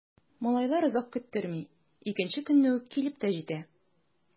Малайлар озак көттерми— икенче көнне үк килеп тә җитә.